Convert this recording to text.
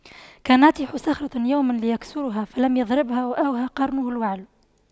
كناطح صخرة يوما ليكسرها فلم يضرها وأوهى قرنه الوعل